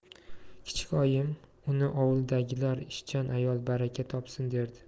kichik oyim uni ovuldagilar ishchan ayol baraka topsin derdi